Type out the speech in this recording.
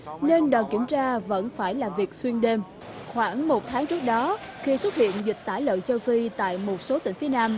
nên đoàn kiểm tra vẫn phải làm việc xuyên đêm khoảng một tháng trước đó khi xuất hiện dịch tả lợn châu phi tại một số tỉnh phía nam